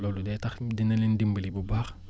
loolu day tax dina leen dimbali bu baax